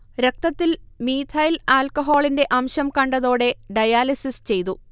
രക്തത്തിൽ മീഥൈൽ ആൽക്കഹോളിന്റെ അംശം കണ്ടതോടെ ഡയാലിസിസ് ചെയ്തു